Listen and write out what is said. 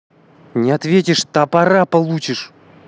не ответишь топора получишь